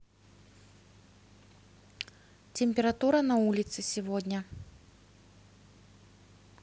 температура на улице сегодня